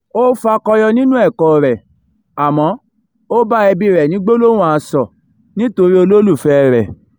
Ó f'akọyọ nínú ẹ̀kọ́ọ rẹ̀ àmọ́ ó bá ẹbíi rẹ̀ ní gbólóhùn asọ̀ nítorí olólùfẹ́ẹ rẹ̀.